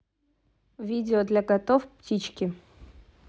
видео для котов птички